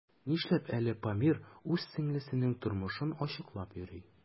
Нишләп әле Памир үз сеңлесенең тормышын ачыклап йөри?